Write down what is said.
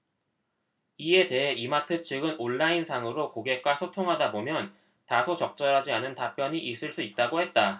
이에 대해 이마트 측은 온라인상으로 고객과 소통하다보면 다소 적절하지 않은 답변이 있을 수 있다고 했다